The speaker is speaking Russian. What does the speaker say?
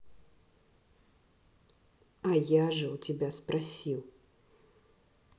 а я же у тебя спросил